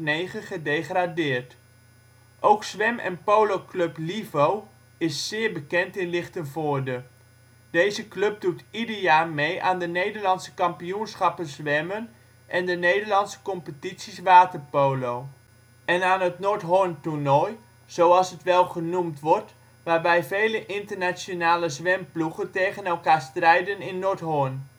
2008-2009 gedegradeerd. Ook Zwem en Polo Club Livo is zeer bekend in Lichtenvoorde. Deze club doet ieder jaar mee aan de Nederlandse Kampioenschappen Zwemmen en Nederlandse Competities Waterpolo. En aan ' het Nordhorn toernooi ', zoals het wel genoemd wordt, waarbij vele internationale zwemploegen tegen elkaar strijden in Nordhorn